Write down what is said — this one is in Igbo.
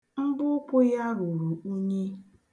Mbọ ụkwụ ya ruru unyi.